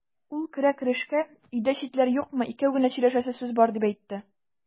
Ул керә-керешкә: "Өйдә читләр юкмы, икәү генә сөйләшәсе сүз бар", дип әйтте.